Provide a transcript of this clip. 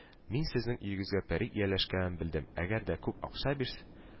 Мин сезнең өеңезгә пәри ияләшкәнен белдем. Әгәр дә күп кенә акча бирс